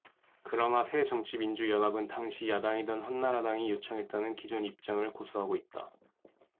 그러나 새정치민주연합은 당시 야당이던 한나라당이 요청했다는 기존 입장을 고수하고 있다